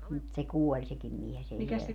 mutta se kuoli sekin mies ei siellä